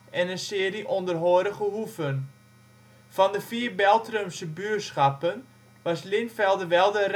en een serie onderhorige hoeven. Van de vier Beltrumse buurschappen was Lintvelde wel de